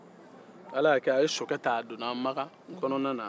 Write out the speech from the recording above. a ye soke ta a donna makan kɔnɔna na